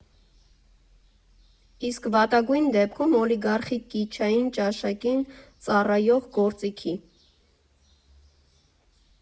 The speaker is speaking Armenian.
Իսկ վատագույն դեպքում՝ օլիգարխիկ կիտչային ճաշակին ծառայող գործիքի։